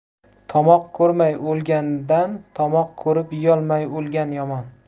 tomoq ko'rmay o'lgandan tomoq ko'rib yeyolmay o'lgan yomon